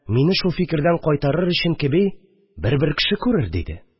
Мине шул фикердән кайтарыр өчен кеби: «бер-бер кеше күрер», – диде.